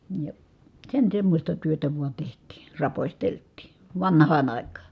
ja sen semmoista työtä vain tehtiin raposteltiin vanhaan aikaan